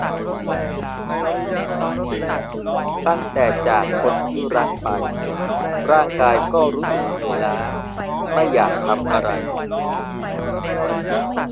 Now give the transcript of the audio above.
ตั้งแต่จากคนที่รักไปร่างกายก็รู้สึกเหนื่อยล้าไม่อยากทำอะไร